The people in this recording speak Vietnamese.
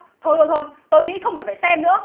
thôi thôi thôi tôi nghĩ không cần phải xem nữa